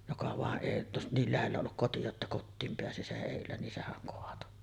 joka vain ei jotta niin lähellä ollut koti jotta kotiin pääsi sen edellä niin sehän kaatoi